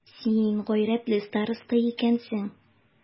Син гайрәтле староста икәнсең.